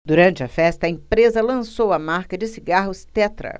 durante a festa a empresa lançou a marca de cigarros tetra